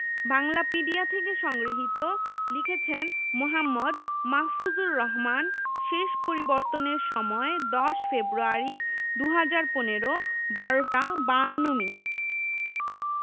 বাংলাপিডিয়া থেকে সংগৃহীত লিখেছেন মোঃ মাহফুজুর রহমান শেষ পরিবর্তনের সময় ১০ ফেব্রুয়ারি ২০১৫ ১২টা ৫২ মিনিট